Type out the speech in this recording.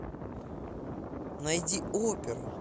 найди оперу